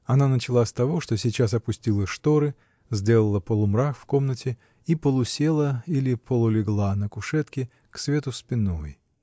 Она начала с того, что сейчас опустила сторы, сделала полумрак в комнате и полусела или полулегла на кушетке, к свету спиной.